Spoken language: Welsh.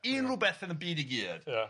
Unryw beth yn y byd i gyd. Ia.